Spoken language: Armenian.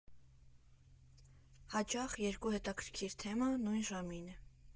Հաճախ երկու հետաքրքիր թեմա նույն ժամին է։